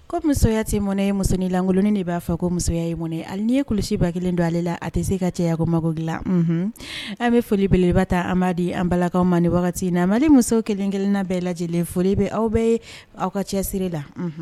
Ko musoyate mɔn ye musoninlankoloni de b'a fɔ ko musoya in mɔn ale ye kuluba kelen don ale la a tɛ se ka cɛko makoginlanhun an bɛ folibeleba ta an b' di an balakaw ma ni wagati na muso kelen-kelenna bɛɛ lajɛ lajɛlen foli bɛ aw bɛɛ ye aw ka cɛsiri la